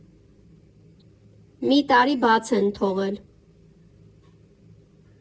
Մի տարի բաց են թողել։